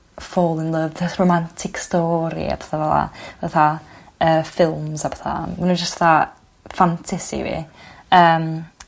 fall in love this romantic story a petha fel 'a fatha yy ffilms a petha ma' wnna jyst 'tha ffantasi fi. Yym.